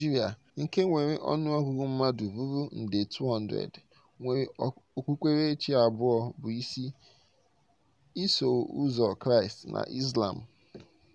Naịjiria, nke nwere ọnụọgụgụ mmadụ ruru nde 200, nwere okpukperechi abụọ bụ isi: Iso Ụzọ Kraịstị na Izlam.